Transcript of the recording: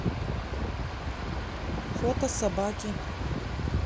фото собаки